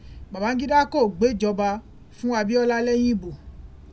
Bàbáńgídá kò gbéjọba fún Abiọla lẹ́yìn ìbò.